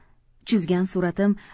chizgan suratim